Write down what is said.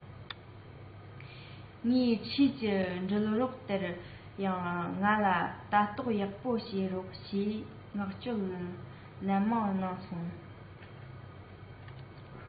ངའི འཁྲིས ཀྱི འགྲུལ རོགས དེར ཡང ང ལ ལྟ རྟོག ཡག པོ བྱེད རོགས ཞེས མངགས བཅོལ ལན མང གནང སོང